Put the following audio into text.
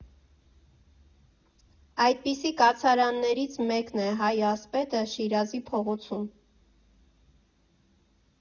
Այդպիսի կացարաններից մեկն է «Հայ ասպետը»՝ Շիրազի փողոցում։